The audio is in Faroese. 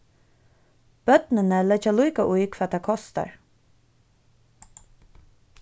børnini leggja líka í hvat tað kostar